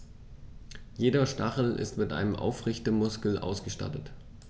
Jeder Stachel ist mit einem Aufrichtemuskel ausgestattet.